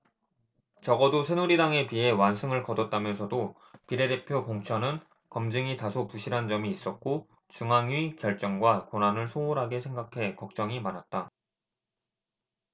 적어도 새누리당에 비해 완승을 거뒀다면서도 비례대표 공천은 검증이 다소 부실한 점이 있었고 중앙위 결정과 권한을 소홀하게 생각해 걱정이 많았다